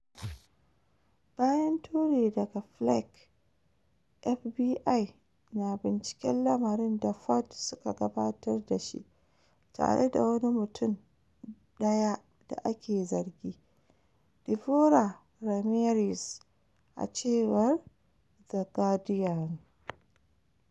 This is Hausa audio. Bayan turi daga Flake, FBI na binciken lamarin da Ford suka gabatar da shi tare da wani mutum daya da ake zargi, Deborah Ramirez, a cewar The Guardian.